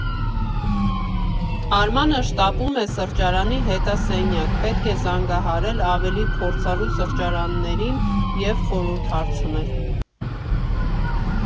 Արմանը շտապում է սրճարանի հետնասենյակ՝ պետք է զանգահարել ավելի փորձառու սրճարանատերերին և խորհուրդ հարցնել։